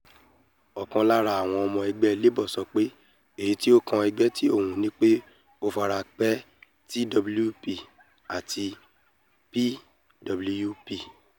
Ọ̀kan lára àwọn ọmọ ẹgbẹ́ Labour sọpé èyí ti o kan ẹgbẹ t'òhun nipé “ó fi ara pè Twp àti Pwp.”